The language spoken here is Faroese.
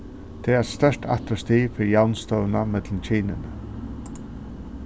tað er eitt stórt afturstig fyri javnstøðuna millum kynini